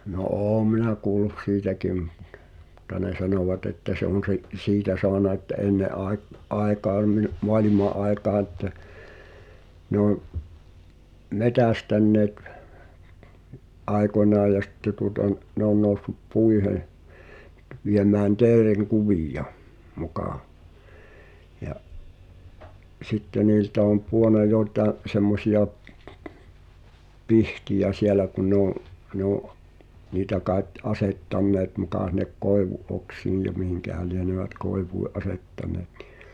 no olen minä kuullut siitäkin mutta ne sanovat että se on se siitä saanut että ennen - aikaan niin maailman aikaa että ne on metsästäneet aikoinaan ja sitten tuota - ne on noussut puihin viemään teerenkuvia muka ja sitten niiltä on pudonnut joitakin semmoisia pihtejä siellä kun ne on ne on niitä kai asettaneet muka sinne koivun oksiin ja mihinkähän lienevät koivuihin asettaneet niin